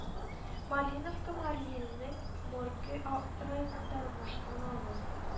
Малиновка Мари Илнең Морке а районында урнашкан авыл